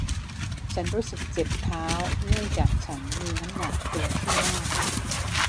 ฉันรู้สึกเจ็บเท้าเนื่องจากฉันมีน้ำหนักตัวที่มาก